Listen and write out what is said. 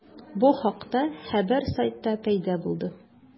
Бу хакта хәбәр сайтта пәйда булды.